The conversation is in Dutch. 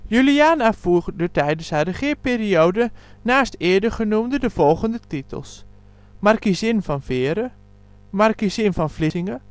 Juliana voerde tijdens haar regeerperiode, naast eerder genoemde, de volgende titels: Markiezin van Veere Markiezin van Vlissingen